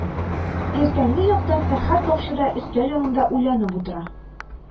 Иртәнге якта Фәрхәт бакчада өстәл янында уйланып утыра.